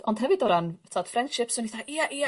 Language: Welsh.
Ond hefyd o ran t'od friendships o'n i fatha ia ia...